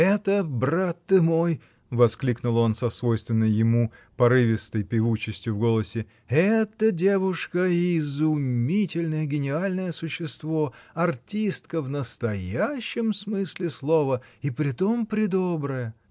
"Это, брат ты мой, -- воскликнул он со свойственною ему порывистой певучестью в голосе, -- эта девушка -- изумительное, гениальное существо, артистка в настоящем смысле слова, и притом предобрая".